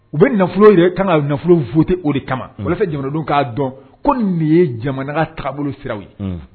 U bɛ nafolo yɛrɛ kan ka nafolo voté o de kama walasa jamanadenw k'a dɔn ko nin ye jamana taabolo siraw ye